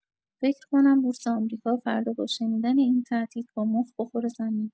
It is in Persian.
فکر کنم بورس آمریکا فردا با شنیدن این تهدید با مخ بخوره زمین.